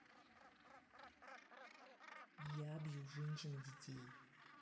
я бью женщин и детей